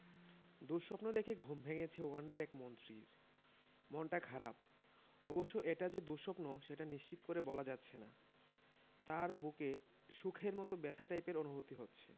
দুঃস্বপ্ন দেখে ঘুম ভেঙেছে উগান্ডার এক মন্ত্রীর মনটা খারাপ অবশ্য এটা যে দুঃস্বপ্ন সেটা নিশ্চিত করে বলা যাচ্ছে না তাঁর বুকে সুখের মতো ব্যথা টাইপের অনুভূতি হচ্ছে